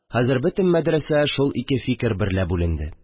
Хәзер бөтен мәдрәсә шул ике фикер берлә бүленде